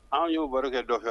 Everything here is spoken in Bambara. An y'o baro kɛ dɔ fɛ